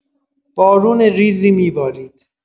بارون ریزی می‌بارید.